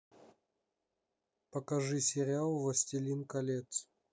покажи сериал властелин колец